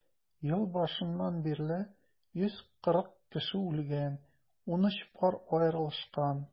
Ел башыннан бирле 140 кеше үлгән, 13 пар аерылышкан.